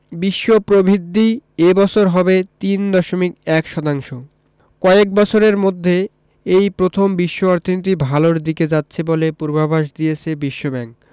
বিশ্ব প্রবৃদ্ধি এ বছর হবে ৩.১ শতাংশ কয়েক বছরের মধ্যে এই প্রথম বিশ্ব অর্থনীতি ভালোর দিকে যাচ্ছে বলে পূর্বাভাস দিয়েছে বিশ্বব্যাংক